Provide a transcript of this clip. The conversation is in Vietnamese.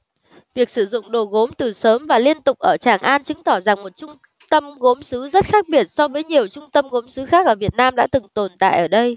việc sử dụng đồ gốm từ sớm và liên tục ở tràng an chứng tỏ rằng một trung tâm gốm sứ rất khác biệt so với nhiều trung tâm gốm sứ khác ở việt nam đã từng tồn tại ở đây